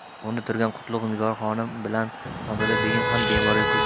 ayvonda turgan qutlug' nigor xonim bilan xonzoda begim ham memorga ko'z tikishdi